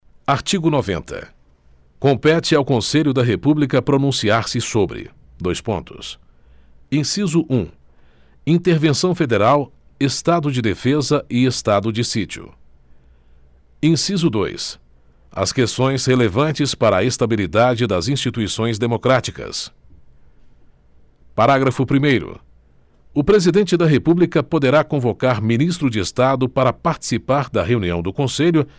artigo noventa compete ao conselho da república pronunciar se sobre dois pontos inciso um intervenção federal estado de defesa e estado de sítio inciso dois as questões relevantes para a estabilidade das instituições democráticas parágrafo primeiro o presidente da república poderá convocar ministro de estado para participar da reunião do conselho